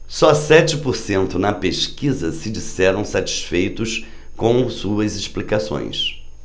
só sete por cento na pesquisa se disseram satisfeitos com suas explicações